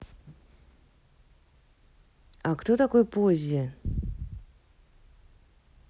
а кто такой поззи